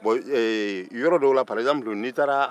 inaudible